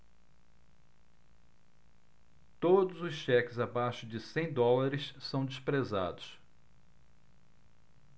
todos os cheques abaixo de cem dólares são desprezados